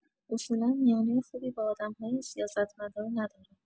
اصولا میانه‌ای خوبی با آدم‌های سیاستمدار ندارم.